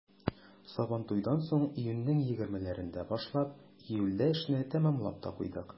Сабантуйдан соң, июньнең 20-ләрендә башлап, июльдә эшне тәмамлап та куйдык.